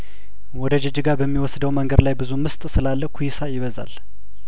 ወደ ጂጂጋ በሚወስደው መንገድ ላይ ብዙም ስጥ ስላለኩ ይሳ ይበዛል